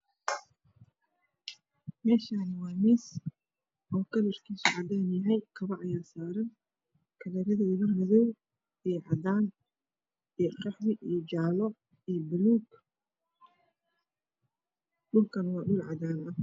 Meshani waa mis oo kalarkis cadan yahay kobo aya saran kalardod madow io cadan io qahwi io jale io baluug